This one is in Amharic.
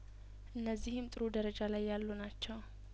እነዚህም ጥሩ ደረጃ ላይ ያሉ ናቸው